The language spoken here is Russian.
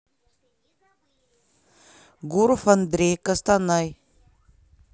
гуров андрей костанай